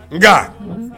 N nka